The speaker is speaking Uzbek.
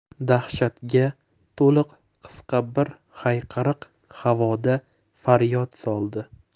dahshatga to'liq qisqa bir hayqiriq havoda faryod soldi